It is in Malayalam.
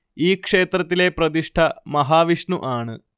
ഈ ക്ഷേത്രത്തിലെ പ്രതിഷ്ഠ മഹാവിഷ്ണുവാണ്